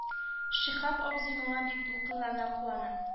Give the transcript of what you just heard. Шиһап абзый моңа бик дулкынлана куана